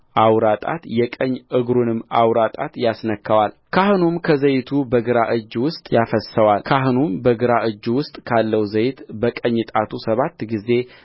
አውራ ጣት የቀኝ እግሩንም አውራ ጣት ያስነካዋልካህኑም ከዘይቱ በግራ እጁ ውስጥ ያፈስሰዋልካህኑም በግራ እጁ ውስጥ ካለው ዘይት በቀኝ ጣቱ ሰባት ጊዜ